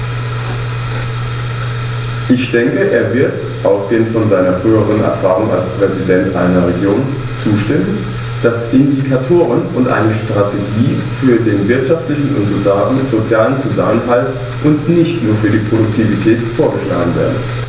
Ich denke, er wird, ausgehend von seiner früheren Erfahrung als Präsident einer Region, zustimmen, dass Indikatoren und eine Strategie für den wirtschaftlichen und sozialen Zusammenhalt und nicht nur für die Produktivität vorgeschlagen werden.